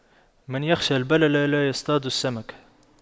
من يخشى البلل لا يصطاد السمك